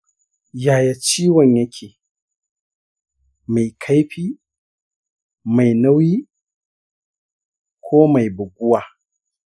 yaya ciwon yake: mai kaifi, mai nauyi, ko mai bugawa?